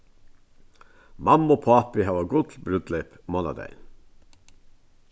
mamma og pápi hava gullbrúdleyp mánadagin